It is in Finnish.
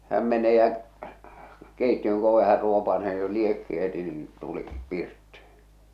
hän meni ja keittiön - oven hän ruopaisee niin jo liekki heti niin tuli pirtti